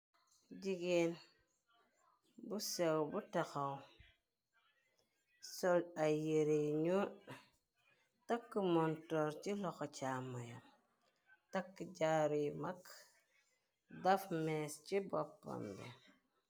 Jigeen bu sew bu taxaw, sol ay yere yi ñuo, takk montor ci loxo caamayam, takk jaaru yu mag, daf mees ci boppam bi.